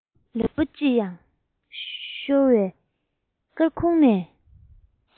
ལུས པོ ལྕི ཡང ཤོར བས སྐར ཁུང ནས